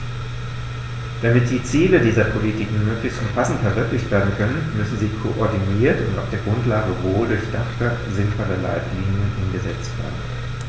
Damit die Ziele dieser Politiken möglichst umfassend verwirklicht werden können, müssen sie koordiniert und auf der Grundlage wohldurchdachter, sinnvoller Leitlinien umgesetzt werden.